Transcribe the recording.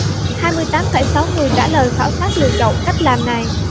hai mươi tám phẩy sáu người trả lời khảo sát lựa chọn cách làm này